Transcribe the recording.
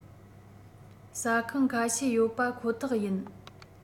ཟ ཁང ཁ ཤས ཡོད པ ཁོ ཐག ཡིན